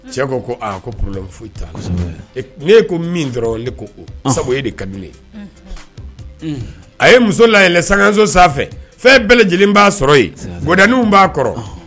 Cɛ ko ko ko p foyi n ye ko min dɔrɔn ko sabu de ka ye a ye muso la sankanso sanfɛ fɛn bɛɛ lajɛlen b'a sɔrɔ yen gdinw b'a kɔrɔ